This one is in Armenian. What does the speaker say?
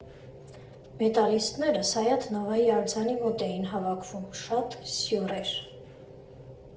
Մետալիստները Սայաթ֊Նովայի արձանի մոտ էին հավաքվում՝ շատ սյուռ էր։